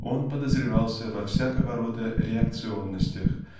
он подозревался во всякого рода "реакционностях"